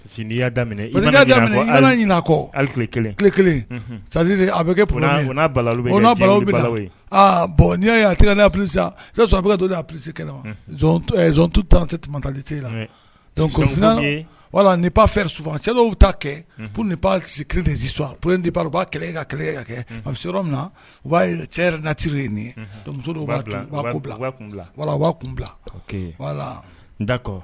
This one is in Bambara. Ala kɔ kelen a bɛ kɛ bɔn ni a psitu tan tɛ taali tɛ la wala ni fɛ sufa cɛ ta kɛ p kisu p u' ka ka kɛ yɔrɔ min na cɛ natire nin wala wala